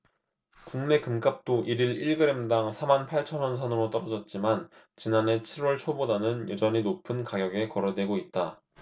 국내 금값도 일 일 일 그램당 사 만 팔천 원 선으로 떨어졌지만 지난해 칠 월 초보다는 여전히 높은 가격에 거래되고 있다